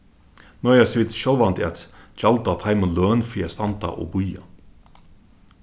noyðast vit sjálvandi at gjalda teimum løn fyri at standa og bíða